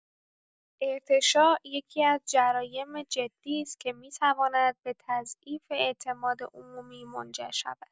ارتشاء یکی‌از جرایم جدی است که می‌تواند به تضعیف اعتماد عمومی منجر شود.